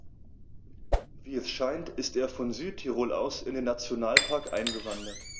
Wie es scheint, ist er von Südtirol aus in den Nationalpark eingewandert.